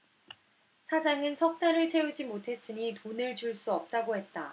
사장은 석 달을 채우지 못했으니 돈을 줄 수 없다고 했다